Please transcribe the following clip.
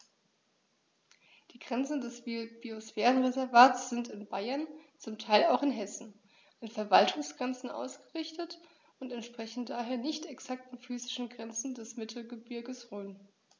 Die Grenzen des Biosphärenreservates sind in Bayern, zum Teil auch in Hessen, an Verwaltungsgrenzen ausgerichtet und entsprechen daher nicht exakten physischen Grenzen des Mittelgebirges Rhön.